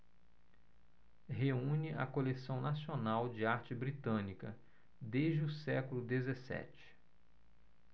reúne a coleção nacional de arte britânica desde o século dezessete